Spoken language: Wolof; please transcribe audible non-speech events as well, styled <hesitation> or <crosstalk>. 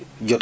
<hesitation> <hesitation>